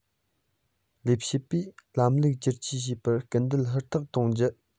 ལས བྱེད པའི ལམ ལུགས བསྒྱུར བཅོས བྱེད པར སྐུལ འདེད ཧུར ཐག གཏོང རྒྱུ